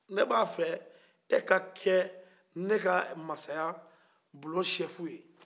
ne bɛ a fɛ e ka kɛ ne ka masaya bulon sefu ye